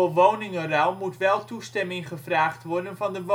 woningruil moet wel toestemming gevraagd worden van de